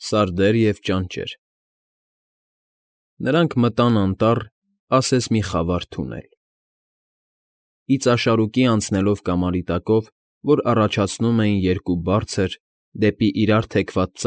ՍԱՐԴԵՐ ԵՎ ՃԱՆՃԵՐ Նրանք մտան անտառ, ասես մի խավար թունել, իծաշարուկի անցնելով կամարի տակով, որ առաջացնում էին երկու բարձր, դեպի իրար թեքված։